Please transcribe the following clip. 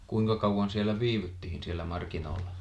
kuinka kauan siellä viivyttiin siellä markkinoilla